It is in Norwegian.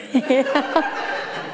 ja.